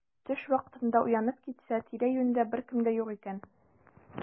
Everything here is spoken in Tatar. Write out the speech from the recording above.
Төш вакытында уянып китсә, тирә-юньдә беркем дә юк икән.